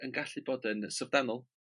yn gallu bod yn syfdanol.